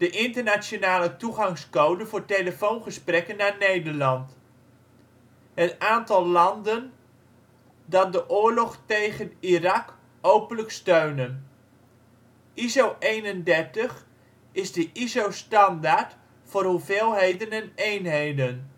internationale toegangscode voor telefoongesprekken naar Nederland. Het aantal landen die de oorlog tegen Irak openlijk steunen. ISO 31 is de ISO standaard voor hoeveelheden en eenheden